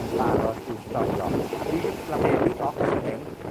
yn barod i'w storio, a dwi 'di labelu bocs fan hyn